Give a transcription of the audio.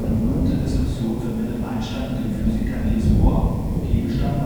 berühmte Diskussion verbindet Einstein mit dem Physiker Niels Bohr. Gegenstand